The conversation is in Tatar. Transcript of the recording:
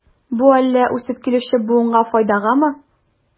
Бу әллә үсеп килүче буынга файдагамы?